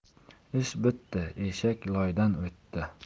ish bitdi eshak loydan o'tdi